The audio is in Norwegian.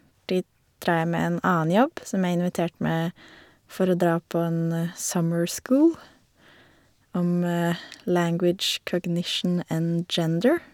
Dit drar jeg med en annen jobb som jeg er invitert med for å dra på en summer school om language, cognition and gender.